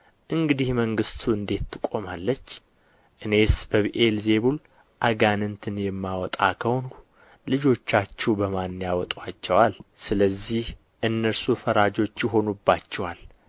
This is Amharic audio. እንግዲህ መንግሥቱ እንዴት ትቆማለች እኔስ በብዔል ዜቡል አጋንንትን የማወጣ ከሆንሁ ልጆቻችሁ በማን ያወጡአቸዋል ስለዚህ እነርሱ ፈራጆች ይሆኑባችኋል